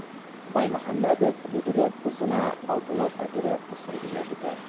Баймөхәммәдев либреттосына "Балбулак" опереттасын иҗат итә.